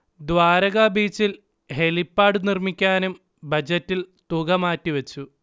ദ്വാരകാ ബീച്ചിൽ ഹെലിപ്പാഡ് നിർമിക്കാനും ബജറ്റിൽ തുക മാറ്റിവെച്ചു